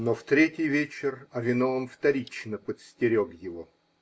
но в третий вечер Авиноам вторично подстерег его.